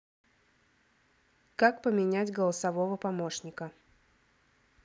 как поменять голосового помощника